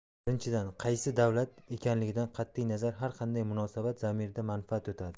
birinchidan qaysi davlat ekanligidan qatiy nazar har qanday munosabat zamirida manfaat yotadi